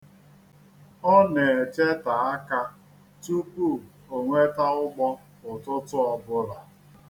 Ọ na-echete aka tupu o nweta ụgbọ ụtụtụ ọbụla.